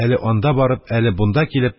Әле анда барып, әле бунда килеп,